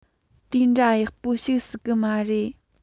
དེ འདྲ ཡག པོ ཞིག སྲིད གི མ རེད